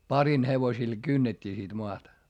parin hevosilla kynnettiin sitten maata